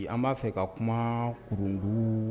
An b'a fɛ ka kuma kurun duuru